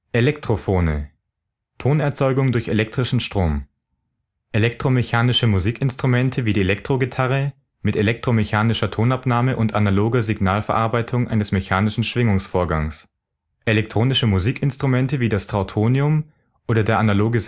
Elektrophone (Tonerzeugung durch elektrischen Strom) Elektromechanische Musikinstrumente wie die Elektrogitarre mit elektromechanischer Tonabnahme und analoger Signalverarbeitung eines mechanischen Schwingungsvorgangs Elektronische Musikinstrumente wie das Trautonium oder der analoge